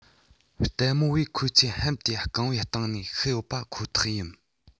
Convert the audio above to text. ལྟད མོ བས ཁོ ཚོས ལྷམ དེ རྐང བའི སྟེང ནས བཤུས ཡོད པ ཁོ ཐག ཡིན